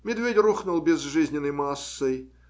Медведь рухнул безжизненной массой